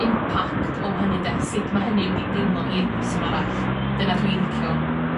impact o hynny 'de sud ma' hynny'n mynd i deimlo i'r person arall dyna dw i licio.